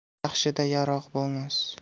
yaxshida yarog' bo'lmas